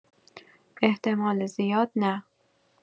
احتمال زیاد نه.